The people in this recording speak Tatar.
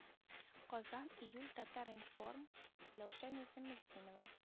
Казан июль татар-информ миләүшә низаметдинова